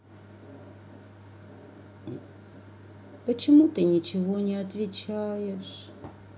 почему ты ничего не отвечаешь